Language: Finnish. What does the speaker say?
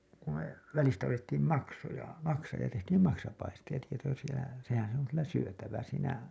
kun me välistä otettiin maksoja maksaa ja tehtiin maksapaistia sehän se on kyllä syötävä siinä